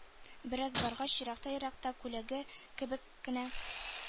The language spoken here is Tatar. Бераз баргач, еракта-еракта күләгә кебек кенә